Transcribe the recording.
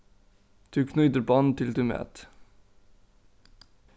tú knýtir bond til tín mat